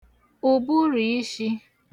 ụ̀bụrụ̀ ishī